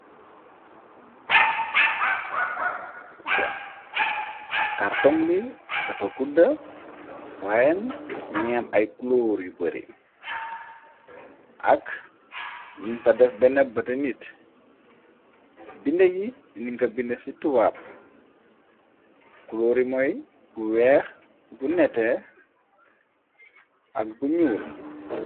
Karton buñ gis née garab moo neka si biram, kàrtoŋ bi dafa gudda, waayen mi nge am ay kulóor yu bari, ak nin fa def benn bata nit, binde yi ñin ko bind ci tubaab, kuloori mooy bu weex, bu netee, ak bu ñuul.